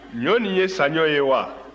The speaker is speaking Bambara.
ɲɔ nin ye saɲɔ ye wa